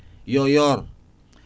yo yoor